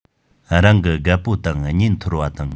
རང གི རྒད པོ དང གཉེན ཐོར བ དང